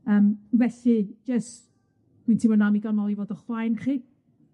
Yym felly, jyst wi'n teimlo annigonol i fod o'ch blaen chi.